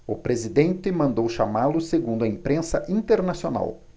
o presidente mandou chamá-lo segundo a imprensa internacional